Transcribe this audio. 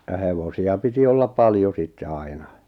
ja hevosia piti olla paljon sitten aina